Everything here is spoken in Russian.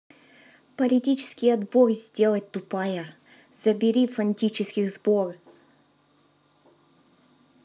политический отбор сделать тупая забери фантических сбор